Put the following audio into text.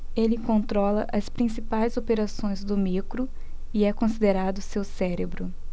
ele controla as principais operações do micro e é considerado seu cérebro